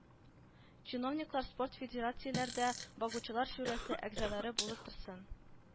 Чиновниклар спорт федерацияләрдә багучылар шурасы әгъзалары булып торсын